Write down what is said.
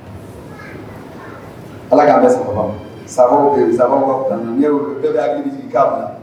Ala k'a bɛ bɛɛ bɛ' hakili k'a la